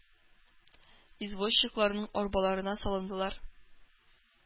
Извозчикларның арбаларына салындылар.